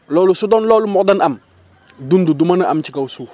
loolu su doon loolu moo doon am dund du mën a am ci kaw suuf